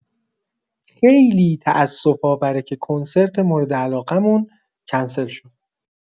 خیلی تأسف‌آوره که کنسرت مورد علاقه‌مون کنسل شد.